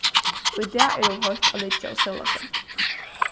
í dag er ov heitt at liggja og sóla sær